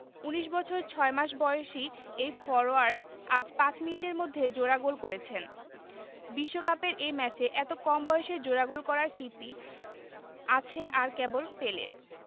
১৯ বছর ৬ মাস বয়সী এই ফরোয়ার্ড আজ ৫ মিনিটের মধ্যে জোড়া গোল করেছেন বিশ্বকাপের এক ম্যাচে এত কম বয়সে জোড়া গোল করার কীর্তি আর আছে কেবল পেলের